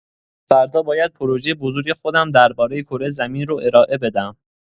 فردا باید پروژه بزرگ خودم درباره کره زمین رو ارائه بدم.